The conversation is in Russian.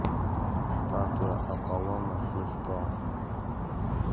статуя аполлона с листом